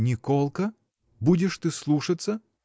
— Николка, будешь ты слушаться?